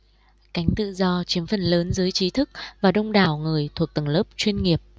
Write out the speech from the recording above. cánh tự do chiếm phần lớn giới trí thức và đông đảo người thuộc tầng lớp chuyên nghiệp